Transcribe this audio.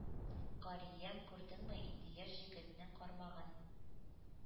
Кариэм, күрдеңме инде яшь Җегетнең кармагын!